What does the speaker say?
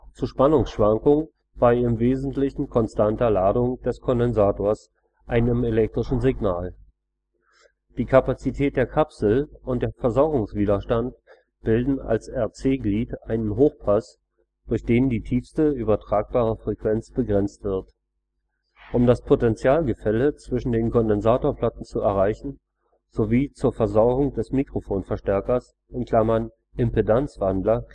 zu Spannungsschwankungen bei im Wesentlichen konstanter Ladung des Kondensators – einem elektrischen Signal. Die Kapazität der Kapsel und der Versorgungswiderstand bilden als RC-Glied einen Hochpass, durch den die tiefste übertragbare Frequenz begrenzt wird. Um das Potentialgefälle zwischen den Kondensatorplatten zu erreichen sowie zur Versorgung des Mikrofonverstärkers (Impedanzwandler